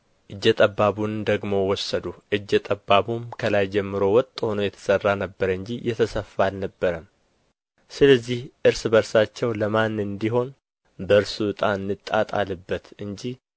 እጀጠባቡን ደግሞ ወሰዱ እጀ ጠባቡም ከላይ ጀምሮ ወጥ ሆኖ የተሠራ ነበረ እንጂ የተሰፋ አልነበረም ስለዚህ እርስ በርሳቸው ለማን እንዲሆን በእርሱ ዕጣ እንጣጣልበት እንጂ